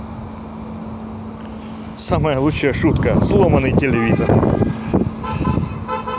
самая лучшая шутка сломанный телевизор